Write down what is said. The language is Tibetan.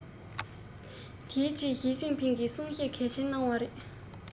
དེ རྗེས ཞིས ཅིན ཕིང གིས གསུང བཤད གལ ཆེན གནང བ རེད